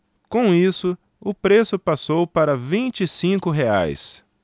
com isso o preço passou para vinte e cinco reais